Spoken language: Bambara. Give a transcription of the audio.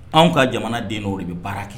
Anw ka jamana den o de bɛ baara kɛ